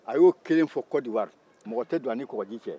a ye o kelen fɔ kɔnɔwari mɔgɔ tɛ don a ni kɔgɔji cɛ